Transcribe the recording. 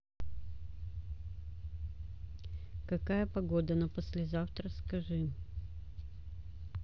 какая погода на послезавтра скажи